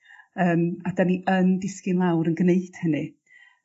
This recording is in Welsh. Yym a 'dan ni yn disgyn lawr yn gneud hynny.